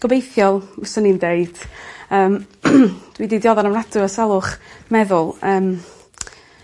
gobeithio swn i'n deud yym dwi 'di diodda'n ofnadwy o salwch meddwl yym